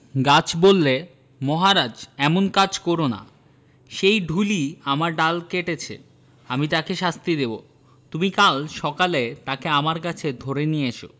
গাছ বললে মহারাজ এমন কাজ কর না সেই ঢুলি আমার ডাল কেটেছে আমি তাকে শাস্তি দেব তুমি কাল সকালে তাকে আমার কাছে ধরে নিয়ে এস